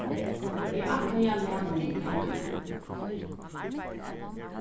eg ætlaði at læna honum pengarnar